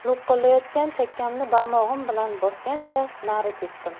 lo'qillayotgan chakkamni barmog'im bilan bosgancha nari ketdim